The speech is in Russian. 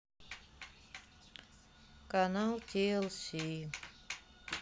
канал тлс